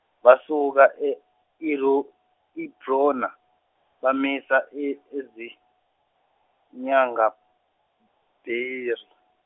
basuka e- Ero- Ebrona, bamisa e- Ezinyangabheri.